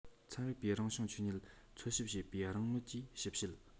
ཚན རིག པས རང བྱུང ཆོས ཉིད འཚོལ ཞིབ བྱེད པའི རང མོས ཀྱི ཞིབ དཔྱད